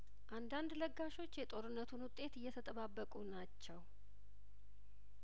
አንዳንድ ለጋሾች የጦርነቱን ውጤት እየተጠባበቁ ናቸው